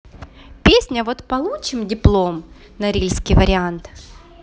песня вот получим диплом норильский вариант